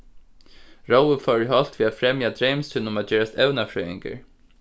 rói fór í holt við at fremja dreym sín um at gerast evnafrøðingur